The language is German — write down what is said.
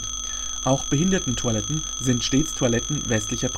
Behindertentoiletten sind stets Toiletten westlicher